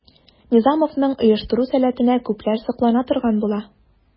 Низамовның оештыру сәләтенә күпләр соклана торган була.